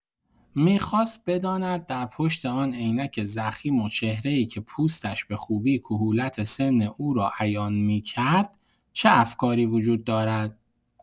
می‌خواست بداند در پشت آن عینک ضخیم و چهره‌ای که پوستش به‌خوبی کهولت سن او را عیان می‌کرد، چه افکاری وجود دارد.